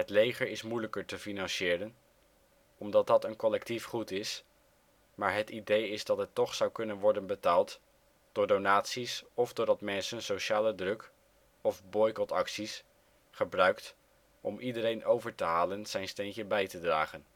leger is moeilijker te financieren, omdat dat een collectief goed is, maar het idee is dat het toch zou kunnen worden betaald door donaties of doordat men sociale druk (of boycot-acties) gebruikt om iedereen over te halen zijn steentje bij te dragen